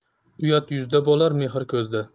uyat yuzda bo'lar mehr ko'zda